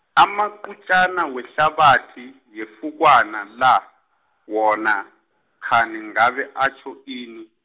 amaqutjana wehlabathi, yefukwana la, wona, kghani ngabe atjho ini.